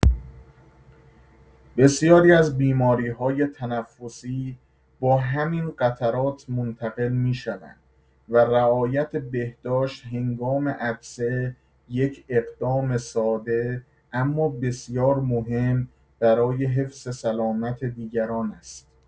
بسیاری از بیماری‌های تنفسی با همین قطرات منتقل می‌شوند و رعایت بهداشت هنگام عطسه یک اقدام ساده اما بسیار مهم برای حفظ سلامت دیگران است.